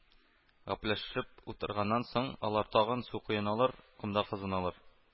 Гәпләшеп утырганнан соң, алар тагын су коеналар, комда кызыналар